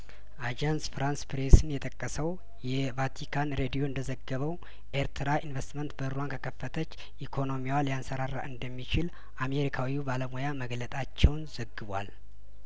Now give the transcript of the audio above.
አጃንስ ፍራንስ ፕሬስን የጠቀሰው የቫቲካን ሬድዮ እንደዘገበው ኤርትራ ኢንቨስትመንት በሯን ከከፈተች ኢኮኖሚዋ ሊያንሰራራ እንደሚችል አሜሪካዊው ባለሞያ መግለጣቸውን ዘግቧል